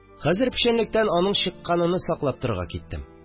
Хәзер печәнлектән аның чыкканыны саклап торырга киттем